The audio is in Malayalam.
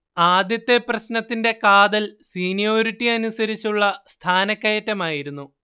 ആദ്യത്തെ പ്രശ്നത്തിന്റെ കാതൽ സീനിയോരിറ്റി അനുസരിച്ചുള്ള സ്ഥാനക്കയറ്റമായിരുന്നു